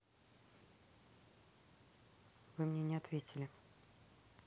вы мне не ответили